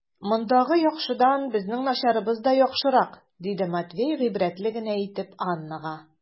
Мондагы яхшыдан безнең начарыбыз да яхшырак, - диде Матвей гыйбрәтле генә итеп Аннага.